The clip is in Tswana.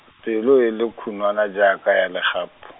pelo e le khunwana jaaka ya legapu.